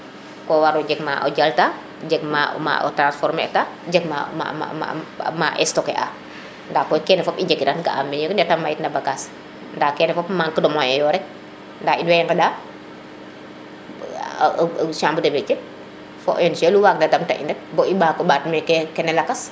ko waro jeg ma o jalta jeg ma o transformer ta jeg ma a ma stocké a nda koy kene fop i njegiran ga a ne i mayit na bagage nda kene fop manque de moyen yo rek nda in woy ŋeɗa chambre de metier fo Ong lu waag na damta in rek bo i ɓato ɓaat meke kene lakas